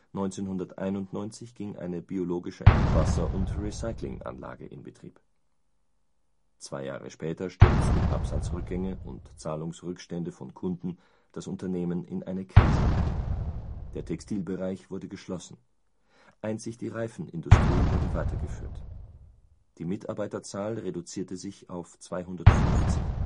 1991 ging eine biologische Abwasser - und Recyclinganlage in Betrieb. Zwei Jahre später stürzten Absatzrückgänge und Zahlungsrückstände von Kunden das Unternehmen in eine Krise. Der Textilbereich wurde geschlossen, einzig die Reifenindustrie wurde weitergeführt. Die Mitarbeiterzahl reduzierte sich auf 250